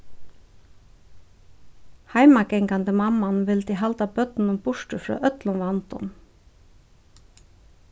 heimagangandi mamman vildi halda børnunum burtur frá øllum vandum